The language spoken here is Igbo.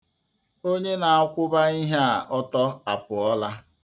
Onye na-akwụba ihe a ọtọ apụọla.